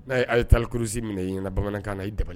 N'a ye ayatal kurusi minɛ i ɲɛna bamanankan na i ye, i dabali bɛ ban!